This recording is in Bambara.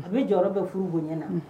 U bɛ jɔyɔrɔ bɛɛ furu bonya na